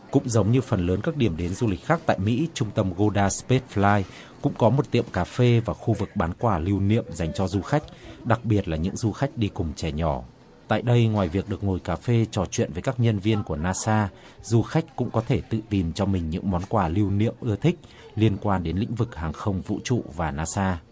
cũng giống như phần lớn các điểm đến du lịch khác tại mỹ trung tâm gô đa sờ pết phờ lai cũng có một tiệm cà phê và khu vực bán quà lưu niệm dành cho du khách đặc biệt là những du khách đi cùng trẻ nhỏ tại đây ngoài việc được ngồi cà phê trò chuyện với các nhân viên của na sa du khách cũng có thể tự tìm cho mình những món quà lưu niệm ưa thích liên quan đến lĩnh vực hàng không vũ trụ và na sa